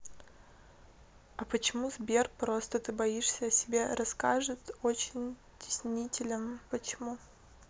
а почему сбер просто ты боишься о себе расскажет очень теснителям почему